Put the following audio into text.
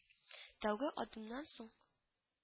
Тәүге адымнан соң